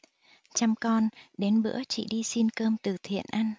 chăm con đến bữa chị đi xin cơm từ thiện ăn